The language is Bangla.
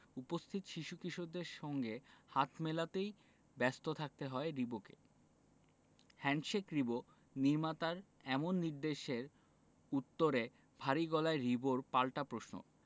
উপস্থিত শিশু কিশোরদের সঙ্গে হাত মেলাতেই ব্যস্ত থাকতে হয় রিবোকে হ্যান্ডশেক রিবো নির্মাতার এমন নির্দেশের উত্তরে ভারী গলায় রিবোর পাল্টা প্রশ্ন